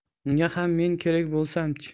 unga ham men kerak bo'lsam chi